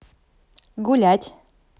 гулять